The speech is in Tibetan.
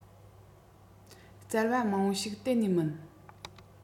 བཙལ བ མང བ ཞིག གཏན ནས མིན